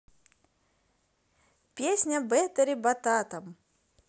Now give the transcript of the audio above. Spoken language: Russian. песня battery бататом